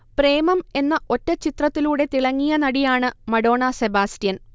പ്രേമം എന്ന ഒറ്റചിത്രത്തിലൂടെ തിളങ്ങിയ നടിയാണ് മഡോണ സെബാസ്റ്റ്യൻ